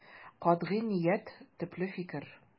Катгый ният, төпле фикер.